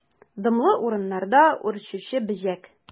Дымлы урыннарда үрчүче бөҗәк.